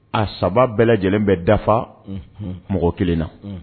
A saba bɛɛ lajɛlen bɛ dafa mɔgɔ kelen na